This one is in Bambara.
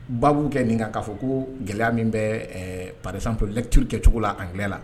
Babu kɛ nin kan k'a fɔ ko gɛlɛya min bɛ ɛɛ par exemple lecture kɛcogo la anglais la